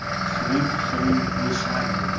hiring hiring kulishardi